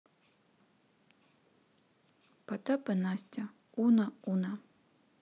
потап и настя уно уно